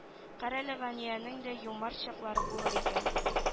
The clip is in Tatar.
Карале гайниянең дә юмарт чаклары булыр икән